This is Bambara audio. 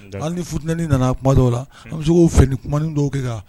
Hali futini nana kuma dɔw la an bɛ se'o fɛ ni kumain dɔw kɛ kan